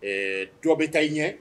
Ɛɛ dɔ bɛ taa i ɲɛ